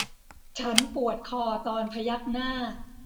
ฉันปวดคอตอนพยักหน้า